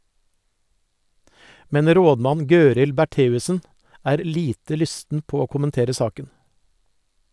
Men rådmann Gøril Bertheussen er lite lysten på å kommentere saken.